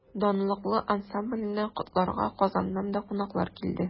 Данлыклы ансамбльне котларга Казаннан да кунаклар килде.